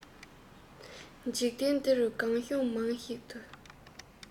འཇིག རྟེན འདི རུ སྒང གཤོང མང ཞིག འདུག